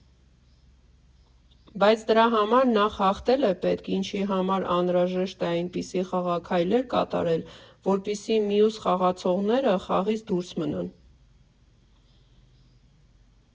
Բայց դրա համար նախ՝ հաղթել է պետք, ինչի համար անհրաժեշտ է այնպիսի խաղաքայլեր կատարել, որպեսզի մյուս խաղացողները խաղից դուրս մնան։